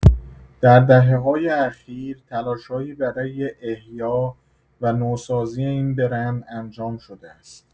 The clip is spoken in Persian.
در دهه‌های اخیر تلاش‌هایی برای احیا و نوسازی این برند انجام شده است.